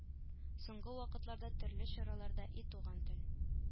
Соңгы вакытларда төрле чараларда и туган тел